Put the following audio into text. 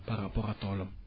par rapport ak toolam